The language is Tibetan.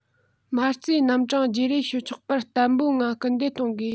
མ རྩའི རྣམ གྲངས བརྗེ རེས བྱས ཆོག པར བརྟན པོའི ངང སྐུལ འདེད གཏོང དགོས